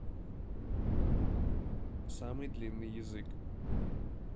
самый длинный язык